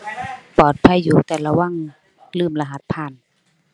ปลอดภัยอยู่ แต่ระวังลืมรหัสผ่าน